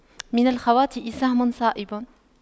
من الخواطئ سهم صائب